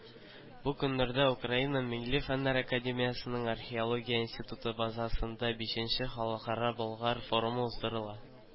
Бу көннәрдә Украина Милли фәннәр академиясенең Археология институты базасында бишенче Халыкара Болгар форумы уздырыла.